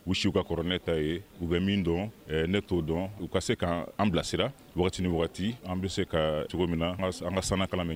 U si u ka kɔrɔɛ ta ye u bɛ min dɔn ne t'o dɔn u ka se k ka an bilasira ni wagati an bɛ se ka cogo min na an ka san kala minɛ